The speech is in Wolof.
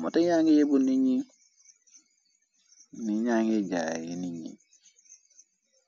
moto yanga yébbu nit ni ñangé jaay ye nit yi.